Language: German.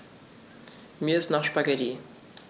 Mir ist nach Spaghetti.